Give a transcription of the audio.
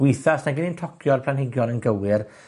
Witha os nag 'yn ni'n tocio'r planhigion yn gywir,